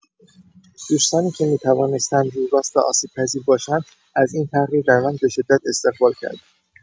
دوستانی که می‌توانستند روراست و آسیب‌پذیر باشند از این تغییر در من به‌شدت استقبال کردند.